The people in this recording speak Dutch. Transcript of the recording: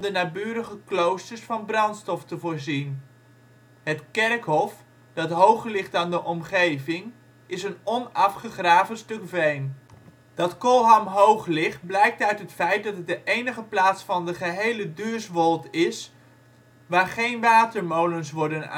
naburige kloosters van brandstof te voorzien. Het kerkhof, dat hoger ligt dan de omgeving, is een onafgegraven stuk veen. Kolham op de topografische kaart van 1934 Dat Kolham hoog ligt, blijkt uit het feit dat het de enige plaats van de gehele Duurswold is, waar geen watermolens worden